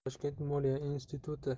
toshkent moliya instituti